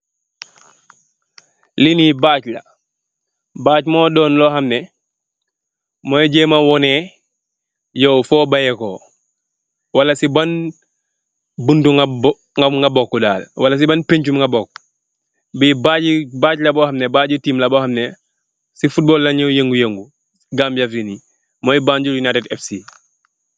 Lii nii baage la, baage moo don loo xam ne, mooy jeema wane, yaw foo bayeko, Wala si ban buntu nga bookul daal, Wala si ban peenci nga booku. Bii baage la boo xam ne, baage i la boo xam ne, si fuutbool lañuy yëngu 6ëngu si Gambiya, fii, mooy Banjul, Yunaayted FC.